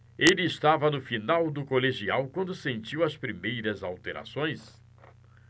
ele estava no final do colegial quando sentiu as primeiras alterações